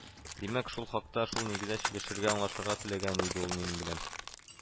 Димәк, шул хакта, шул нигездә сөйләшергә, аңлашырга теләгән иде ул минем белән